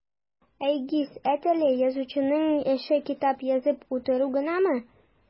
Айгиз, әйт әле, язучының эше китап язып утыру гынамы?